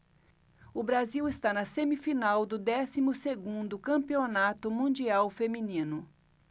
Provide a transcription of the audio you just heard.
o brasil está na semifinal do décimo segundo campeonato mundial feminino